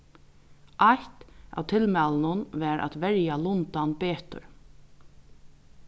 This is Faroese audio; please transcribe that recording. eitt av tilmælunum var at verja lundan betur